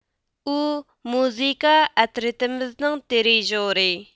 ئۇ مۇزىكا ئەترىتىمىزنىڭ دىرىژورى